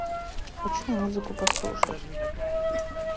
хочу музыку послушать